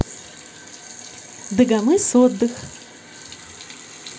дагомыс отдых